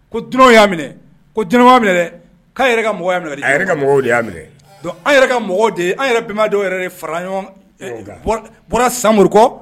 Ko dun y'a minɛ ko dunan minɛ koa yɛrɛ y'a minɛ aw yɛrɛ ka mɔgɔw an yɛrɛ benbadɔ yɛrɛ fara ɲɔgɔn bɔra samuru kɔ